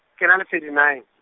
ke na le thirty nine.